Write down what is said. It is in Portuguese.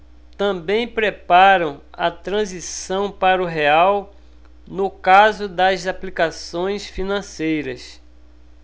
também preparam a transição para o real no caso das aplicações financeiras